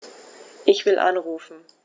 Ich will anrufen.